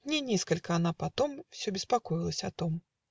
Дней несколько она потом Все беспокоилась о том.